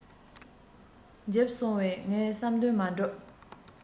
འཇིབས སོང བས ངའི བསམ དོན མ གྲུབ